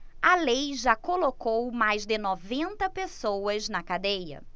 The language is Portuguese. a lei já colocou mais de noventa pessoas na cadeia